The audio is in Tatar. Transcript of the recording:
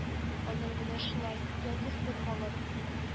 Аның менә шулай, ялгызы калып,